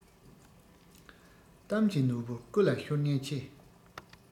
གཏམ གྱི ནོར བུ རྐུ ལ ཤོར ཉེན ཆེ